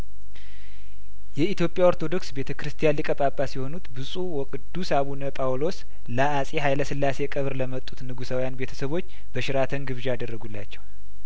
የኢትዮጵያ ኦርቶዶክስ ቤተ ክርስቲያን ሊቀ ጳጳስ የሆኑት ብጹእ ወቅዱስ አቡነ ጳውሎስ ለአጼ ሀይለስላሴ ቀብር ለመጡትን ጉሳውያን ቤተሰቦች በሸራተን ግብዣ አደረጉላቸው